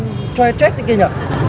choe choét thế kia nhở